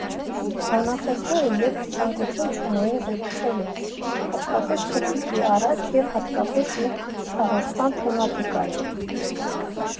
Բանախոսները ևս ցանկություն չունեին զրուցելու, հատկապես խցիկի առաջ և հատկապես իմ հաղորդման թեմատիկայով։